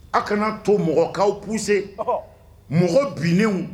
A kana to mɔgɔkaw pse mɔgɔ binnenw